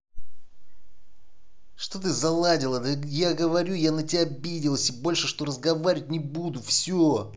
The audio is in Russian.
что ты заладила да я говорю я на тебя обиделась и больше что разговаривать не буду все